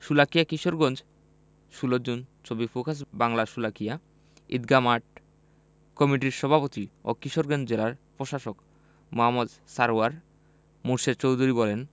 Sholakia Kishoreganj ১৬ June ছবি focus Bangla Sholakia Eidgah মাঠ কমিটির সভাপতি ও কিশোরগঞ্জের জেলা প্রশাসক মো. সারওয়ার মুর্শেদ চৌধুরী বলেন